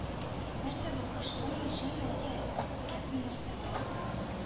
Нәрсә бу? Качкынмы, җенме? Йә өрәкме, нәрсә бу?